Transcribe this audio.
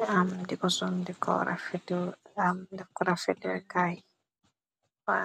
dam diko sondim deko rafete kay fa